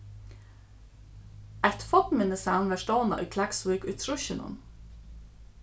eitt fornminnissavn varð stovnað í klaksvík í trýssunum